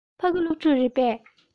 ཕ གི སློབ ཕྲུག རེད པས